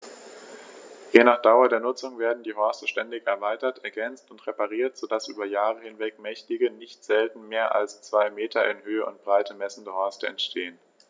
Je nach Dauer der Nutzung werden die Horste ständig erweitert, ergänzt und repariert, so dass über Jahre hinweg mächtige, nicht selten mehr als zwei Meter in Höhe und Breite messende Horste entstehen.